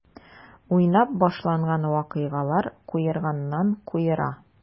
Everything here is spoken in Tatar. Уйнап башланган вакыйгалар куерганнан-куера.